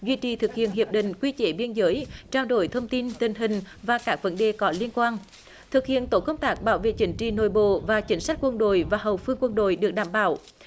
duy trì thực hiện hiệp định quy chế biên giới trao đổi thông tin tình hình và các vấn đề có liên quan thực hiện tổ công tác bảo vệ chính trị nội bộ và chính sách quân đội và hậu phương quân đội được đảm bảo